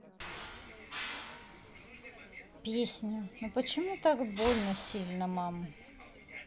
песня ну почему так больно сильно мам